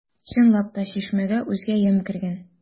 Чынлап та, чишмәгә үзгә ямь кергән.